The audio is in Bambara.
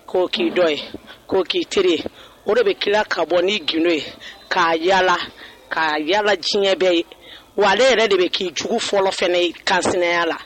Ko k'i dɔ ye ko k'i teri o de bɛ ki ka bɔ ni gundo ye ka yala ka yaa diɲɛ bɛ ye wa ale yɛrɛ de bɛ k kii jugu fɔlɔ ka sɛnɛya la